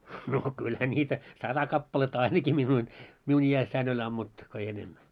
no kyllähän niitä sata kappaletta ainakin minun minun iässäni oli ammuttu kun ei enemmän